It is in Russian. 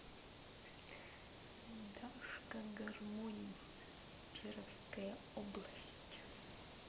дашка гармонь перовская область